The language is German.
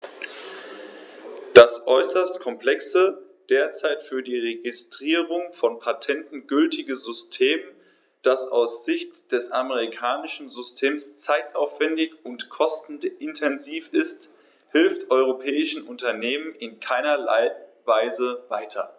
Das äußerst komplexe, derzeit für die Registrierung von Patenten gültige System, das aus Sicht des amerikanischen Systems zeitaufwändig und kostenintensiv ist, hilft europäischen Unternehmern in keinerlei Weise weiter.